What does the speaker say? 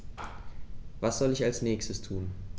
Was soll ich als Nächstes tun?